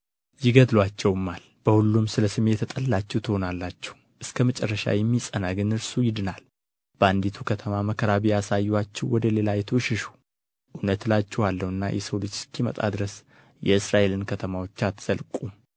ይገድሉአቸውማል በሁሉም ስለ ስሜ የተጠላችሁ ትሆናላችሁ እስከ መጨረሻ የሚጸና ግን እርሱ ይድናል በአንዲቱ ከተማም መከራ ቢያሳዩአችሁ ወደ ሌላይቱ ሽሹ እውነት እላችኋለሁና የሰው ልጅ እስኪመጣ ድረስ የእስራኤልን ከተማዎች አትዘልቁም